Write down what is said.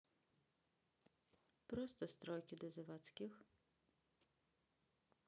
просто стройки до заводских